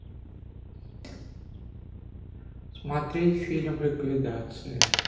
смотреть фильм ликвидация